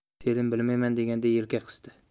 selim bilmayman deganday yelka qisdi